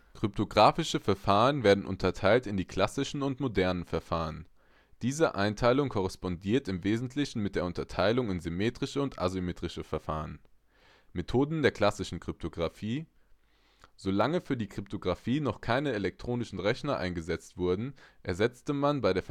Kryptographische Verfahren werden unterteilt in die klassischen und modernen Verfahren. Diese Einteilung korrespondiert im Wesentlichen mit der Unterteilung in symmetrische und asymmetrische Verfahren. Methoden der klassischen Kryptographie: Solange für die Kryptographie noch keine elektronischen Rechner eingesetzt wurden, ersetzte man bei der